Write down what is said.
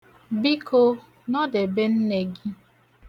Biko, nọdebe nne gị nso.